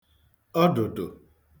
ọdụ̀dụ̀